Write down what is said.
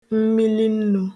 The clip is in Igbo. mmilinnū